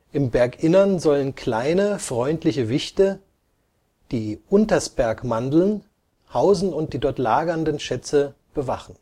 Im Berginneren sollen kleine freundliche Wichte, die Untersbergmandln, hausen und die dort lagernden Schätze bewachen